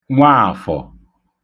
Nwaàfọ̀